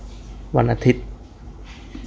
วันอาทิตย์